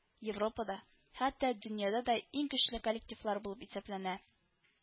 Европада, хәтта дөньяда да иң көчле коллективлар булып исәпләнә